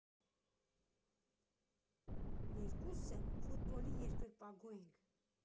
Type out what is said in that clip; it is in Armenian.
Երկուսս էլ ֆուտբոլի երկրպագու ենք։